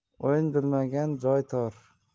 o'yin bilmaganga joy tor